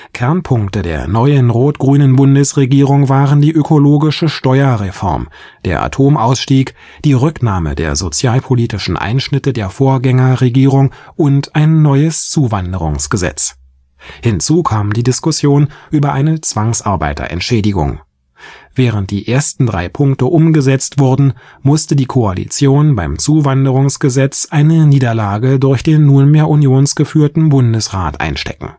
Kernpunkte der neuen rot-grünen Bundesregierung waren die ökologische Steuerreform, der Atomausstieg, die Rücknahme der sozialpolitischen Einschnitte der Vorgängerregierung und ein neues Zuwanderungsgesetz. Hinzu kam die Diskussion über eine Zwangsarbeiterentschädigung. Während die ersten drei Punkte umgesetzt wurden, musste die Koalition beim Zuwanderungsgesetz eine Niederlage durch den nunmehr unionsgeführten Bundesrat einstecken